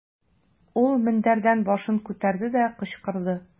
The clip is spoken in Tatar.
Ул мендәрдән башын күтәрде дә, кычкырды.